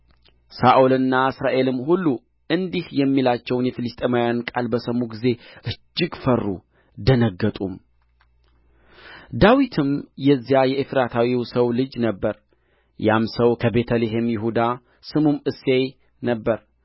ሳኦልና እስራኤልም ሁሉ እንዲህ የሚላቸውን የፍልስጥኤማዊውን ቃል በሰሙ ጊዜ እጅግ ፈሩ ደነገጡም ዳዊትም የዚያ የኤፍራታዊው ሰው ልጅ ነበረ ያም ሰው ከቤተ ልሔም ይሁዳ ስሙም እሴይ ነበረ